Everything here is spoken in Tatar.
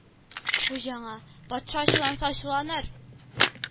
Хуҗа аңа: Патша ачуланса ачуланыр,